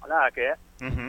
A y'a kɛ